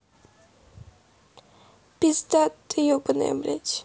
пизда ты ебаная блядь